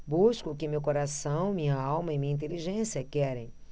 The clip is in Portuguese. busco o que meu coração minha alma e minha inteligência querem